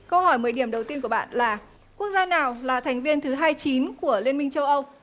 câu hỏi mười điểm đầu tiên của bạn là quốc gia nào là thành viên thứ hai chín của liên minh châu âu